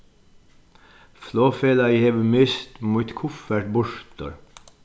flogfelagið hevur mist mítt kuffert burtur